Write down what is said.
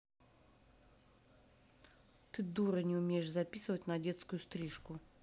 ты дура не умеешь записывать на детскую стрижку